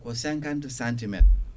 ko 50 centimétre